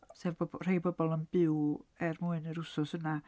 Sef bo- bo- rhai bobl yn byw er mwyn yr wsos yna.